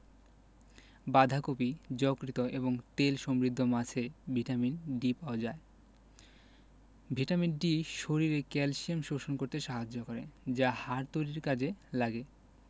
বাঁধাকপি যকৃৎ এবং তেল সমৃদ্ধ মাছে ভিটামিন D পাওয়া যায় ভিটামিন D শরীরে ক্যালসিয়াম শোষণ করতে সাহায্য করে যা হাড় তৈরীর কাজে লাগে